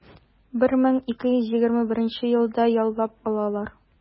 1221 елларда яулап алалар.